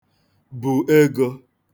bù egō